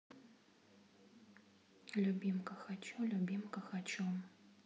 любимка хочу любимка хочу